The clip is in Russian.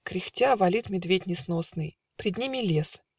Кряхтя, валит медведь несносный Пред ними лес